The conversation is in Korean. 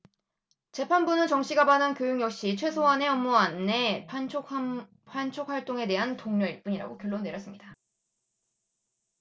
재판부는 정씨가 받은 교육 역시 최소한의 업무 안내 판촉활동에 대한 독려일 뿐이라고 결론 내렸습니다